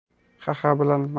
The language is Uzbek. ha ha bilan